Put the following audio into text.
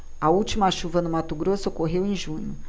a última chuva no mato grosso ocorreu em junho